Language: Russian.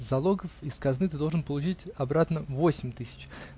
Залогов из казны ты должен получить обратно восемь тысяч